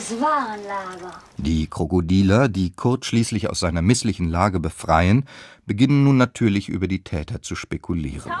Die Krokodiler, die Kurt schließlich aus seiner misslichen Lage befreien, beginnen nun natürlich über die Täter zu spekulieren